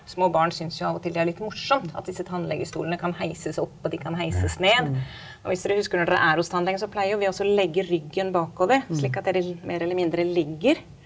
små barn syns jo av og til det er litt morsomt, at disse tannlegestolene kan heises opp og de kan heises ned, og hvis dere husker når dere er hos tannlegen så pleier jo vi også legge ryggen bakover slik at dere mer eller mindre ligger.